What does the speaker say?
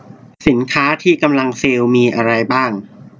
สินค้าที่กำลังเซลล์มีอะไรบ้าง